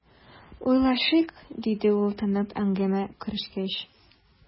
"уйлашыйк", - диде ул, тынып, әңгәмәгә керешкәч.